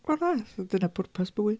Wel na wel dyna pwrpas bywyd.